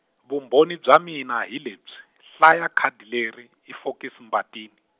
vumbhoni bya mina hi lebyi, hlaya khadi leri i fokisi Mbatini.